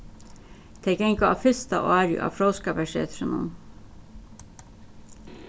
tey ganga á fyrsta ári á fróðskaparsetrinum